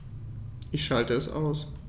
Ich schalte es aus.